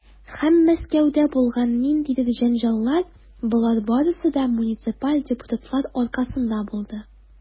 Һәм Мәскәүдә булган ниндидер җәнҗаллар, - болар барысы да муниципаль депутатлар аркасында булды.